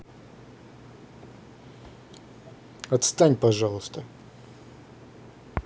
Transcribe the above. отстань пожалуйста